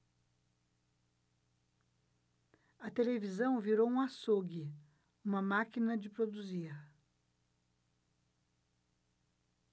a televisão virou um açougue uma máquina de produzir